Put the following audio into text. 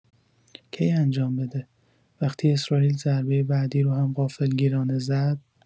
کی انجام بده وقتی اسراییل ضربه بعدی رو هم غافلگیرانه زد؟!